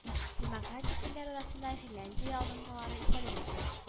Демократик илләр арасында финляндия алдынгылары исәбенә керә